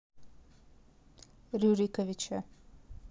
рюриковича